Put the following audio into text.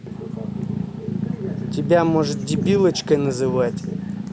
тебя может дебилочкой называть